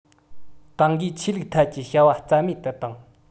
ཏང གིས ཆོས ལུགས ཐད ཀྱི བྱ བ རྩ མེད དུ བཏང